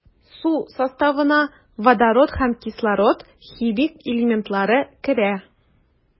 Су составына водород һәм кислород химик элементлары керә.